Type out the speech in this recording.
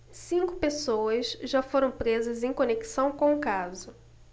cinco pessoas já foram presas em conexão com o caso